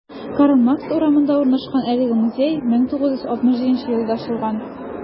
Карл Маркс урамында урнашкан әлеге музей 1967 елда ачылган.